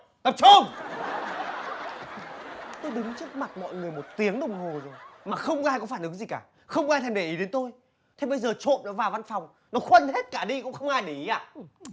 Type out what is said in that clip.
tập trung tôi đứng trước mặt mọi người một tiếng đồng hồ rồi mà không ai có phản ứng gì cả không ai thèm để ý đến tôi thế bây giờ trộm nó vào văn phòng nó khuân hết cả đi cũng không ai để ý à